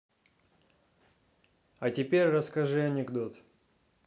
а теперь расскажи анекдот